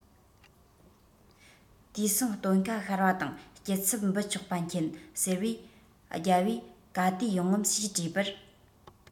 དུས སང སྟོན ཁ ཤར བ དང སྐྱིད ཚབ འབུལ ཆོག པ མཁྱེན ཟེར བས རྒྱལ པོས ག དུས ཡོང ངམ ཞེས དྲིས པར